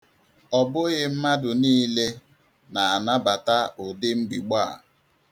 Ọ bụghị mmadụ niile na-anabata ụdị mbigbọ a.